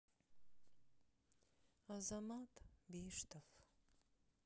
азамат биштов